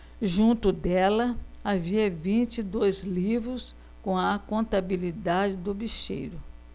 junto dela havia vinte e dois livros com a contabilidade do bicheiro